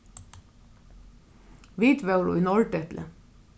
vit vóru í norðdepli